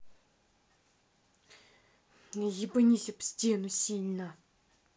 ебанись об стену сильно